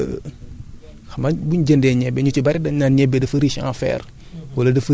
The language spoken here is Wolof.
xam nga buñ jëndee ñebe ñu ci bëri dañ naan ñebe dafa riche en fer